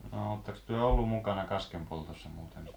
no oletteko te ollut mukana kaskenpoltossa muuten